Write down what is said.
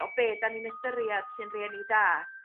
o be' 'dan ni'n ystyriad sy'n rieni da.